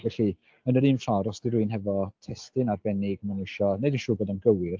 Felly yn yr un ffordd os 'di rywun hefo testun arbennig maen nhw isio wneud yn siŵr bod o'n gywir.